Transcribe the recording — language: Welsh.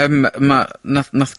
Yym, ma', nath nath...